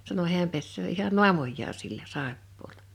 sanoi hän pesee ihan naamaansa sillä saippualla